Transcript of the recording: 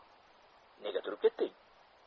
nega turib ketding